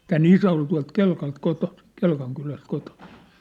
tämän isä oli tuolta Kelkalta kotoisin Kelkan kylästä kotoisin